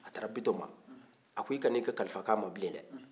a taara bitɔn ma a ko i kana i ka kalifa kɛ a ma bile dɛ